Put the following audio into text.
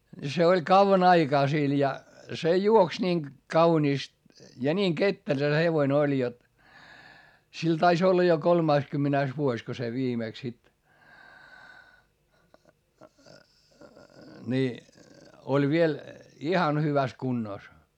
niin se oli kauan aikaa sillä ja se juoksi niin kauniisti ja niin ketterä se hevonen oli jotta sillä taisi olla jo kolmaskymmenes vuosi kun se viimeksi sitten niin oli vielä ihan hyvässä kunnossa